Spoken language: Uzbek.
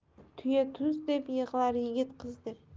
tuya tuz deb yig'lar yigit qiz deb